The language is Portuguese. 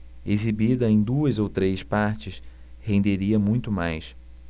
exibida em duas ou três partes renderia muito mais